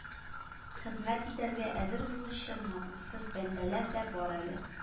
Хезмәт итәргә әзер булучы намуссыз бәндәләр дә бар әле